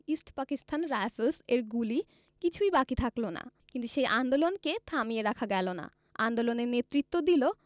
east Pakistan rifles এর গুলি কিছুই বাকি থাকল না কিন্তু সেই আন্দোলনকে থামিয়ে রাখা গেল না আন্দোলনের নেতৃত্ব দিল